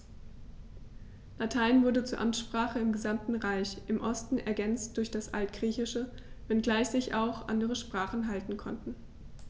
Latein wurde zur Amtssprache im gesamten Reich (im Osten ergänzt durch das Altgriechische), wenngleich sich auch andere Sprachen halten konnten.